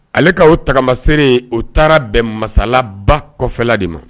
Ale ka o tagamasasen u taara bɛn masalaba kɔfɛ de ma